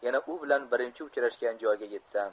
yana u bilan birinchi uchrashgan joyga yetsam